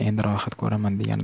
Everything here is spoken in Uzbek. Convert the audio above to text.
endi rohat ko'raman deganida